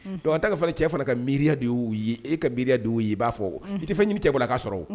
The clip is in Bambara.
Don a taa ka fa cɛ fana ka miiriya de y'u ye e ka mirinya y' ye i b'a fɔ i tɛ fɛn ɲini cɛ bɔ a'a sɔrɔ